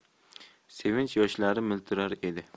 sevinch yoshlari miltirar edi